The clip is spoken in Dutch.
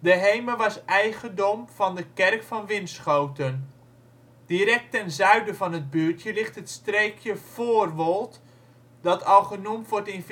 Heemen was eigendom van de kerk van Winschoten. Direct ten zuiden van de buurt ligt het streekje Voorwold dat al genoemd wordt in